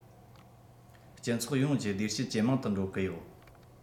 སྤྱི ཚོགས ཡོངས ཀྱི བདེ སྐྱིད ཇེ མང དུ འགྲོ གི ཡོད